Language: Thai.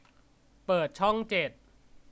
เปิดช่องเจ็ด